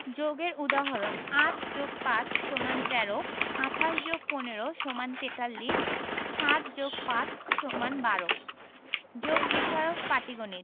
যোগের উদাহরণঃ ৮ + ৫ = ১৩ ২৮ + ১৫ = ৪৩ ১২- ৫ = ৭ ৭+৫ = ১২ যোগ বিষয়ক পাটিগনিতঃ